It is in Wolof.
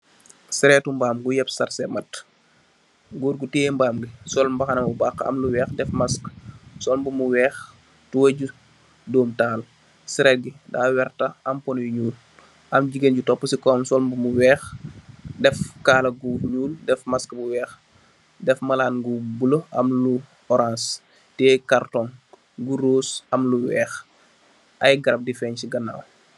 Sareetu mbaam gu yep sarsep mattë, goor gu tiyee mbaam mi sol mbaxana mu baxxë def lu weex, def maskë, sol mbuba mu weex, tubooy ju döom taal. Sareet bi daa werta, am ponno yu ñuul. Ham jigéen ju toopu si kowam, sol mbuba bu weex, def kaala gu ñuul, def maskë bu weex, def malaan gu bulo